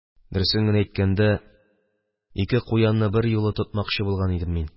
– дөресен генә әйткәндә, ике куянны берьюлы тотмакчы булган идем мин